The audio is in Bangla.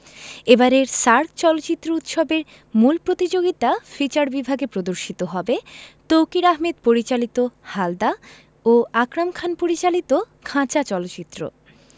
এবারের সার্ক চলচ্চিত্র উৎসবের মূল প্রতিযোগিতা ফিচার বিভাগে প্রদর্শিত হবে তৌকীর আহমেদ পরিচালিত হালদা ও আকরাম খান পরিচালিত খাঁচা চলচ্চিত্র